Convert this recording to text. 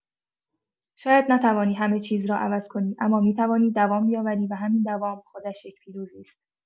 شاید نتوانی همه‌چیز را عوض کنی، اما می‌توانی دوام بیاوری و همین دوام، خودش یک پیروزی است.